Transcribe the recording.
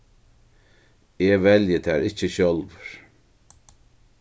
eg velji tær ikki sjálvur